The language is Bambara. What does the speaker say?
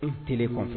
T kɔfɛ